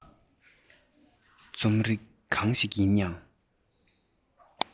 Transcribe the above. རྩོམ རིག གང ཞིག ཡིན ཡང